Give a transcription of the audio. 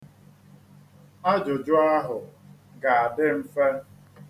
Ajụjụ ahụ ga-adị mfe.